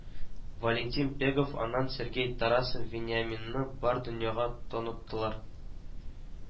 Валентин Пегов, аннан Сергей Тарасов Вениаминны бар дөньяга таныттылар